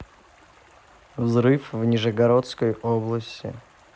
взрыв в нижегородской области